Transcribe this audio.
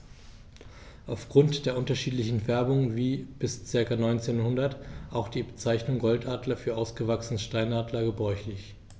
Auf Grund der unterschiedlichen Färbung war bis ca. 1900 auch die Bezeichnung Goldadler für ausgewachsene Steinadler gebräuchlich.